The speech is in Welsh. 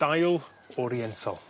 dail oOriental